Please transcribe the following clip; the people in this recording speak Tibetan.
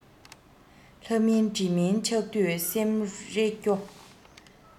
ལྷ མིན འདྲེ མིན ཆགས དུས སེམས རེ སྐྱོ